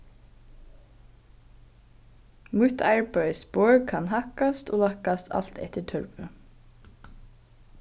mítt arbeiðsborð kann hækkast og lækkast alt eftir tørvi